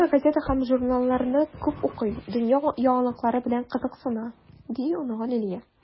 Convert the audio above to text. Әмма газета һәм журналларны күп укый, дөнья яңалыклары белән кызыксына, - ди оныгы Лилия.